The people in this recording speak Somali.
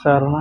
gado